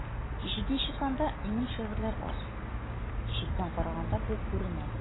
Җиденче санда минем шигырьләр аз, читтән караганда бу күренә.